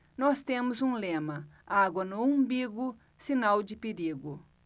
nós temos um lema água no umbigo sinal de perigo